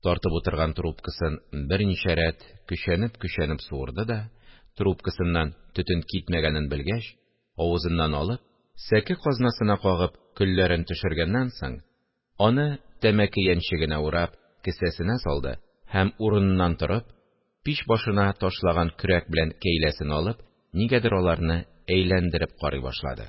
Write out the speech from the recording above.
Тартып утырган трубкасын берничә рәт көчәнеп-көчәнеп суырды да, трубкасыннан төтен китмәгәнен белгәч, авызыннан алып, сәке казнасына кагып, көлләрен төшергәннән соң, аны тәмәке яньчегенә урап кесәсенә салды һәм урыныннан торып, пич башына ташлаган көрәк белән кәйләсен алып, нигәдер аларны әйләндереп карый башлады